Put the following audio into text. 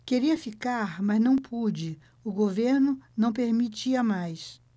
queria ficar mas não pude o governo não permitia mais